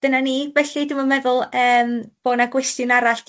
Dyna ni, felly dwi'm yn meddwl yym bo' 'na gwestiwn arall.